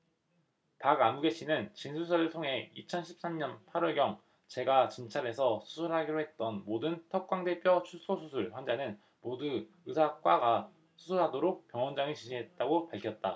박아무개씨는 진술서를 통해 이천 십 삼 년 팔 월경 제가 진찰해서 수술하기로 했던 모든 턱광대뼈축소수술 환자는 모두 의사 과 가 수술하도록 병원장이 지시했다고 밝혔다